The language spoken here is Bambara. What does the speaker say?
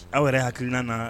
Aw yɛrɛ hakilikilina na